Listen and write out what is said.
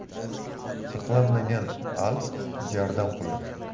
saqlanmagan alp jardan qular